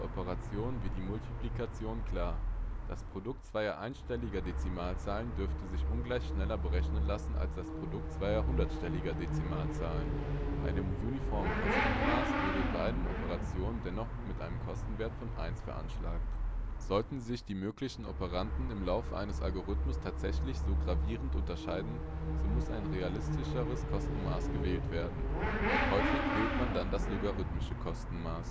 Operation wie die Multiplikation klar: Das Produkt zweier einstelliger Dezimalzahlen dürfte sich ungleich schneller errechnen lassen als das Produkt zweier hundertstelliger Dezimalzahlen. Bei einem uniformen Kostenmaß würden beide Operationen dennoch mit einem Kostenwert von 1 veranschlagt. Sollten sich die möglichen Operanden im Laufe eines Algorithmus tatsächlich so gravierend unterscheiden, so muss ein realistischeres Kostenmaß gewählt werden. Häufig wählt man dann das logarithmische Kostenmaß